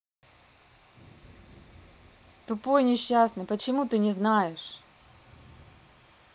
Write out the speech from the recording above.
тупой несчастный почему ты не знаешь